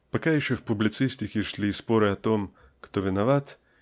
Пока еще в публицистике шли споры о том кто виноват